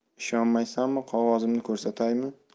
ishonmaysanmi qog'ozimni ko'rsataymi